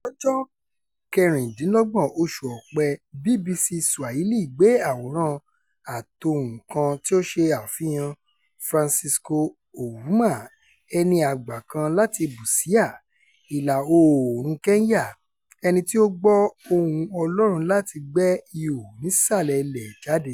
Lọ́jọ́ 26 oṣù Ọ̀pẹ, BBC Swahili gbé àwòrán-àtohùn kan tí ó ṣe àfihàn-an Francisco Ouma, ẹni àgbà kan láti Busia, ìlà-oòrùnun Kenya, ẹni tí ó gbọ́ ohùn Ọlọ́run láti gbẹ́ ihò nísàlẹ̀ ilẹ̀ jáde.